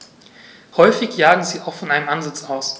Häufig jagen sie auch von einem Ansitz aus.